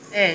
eyyi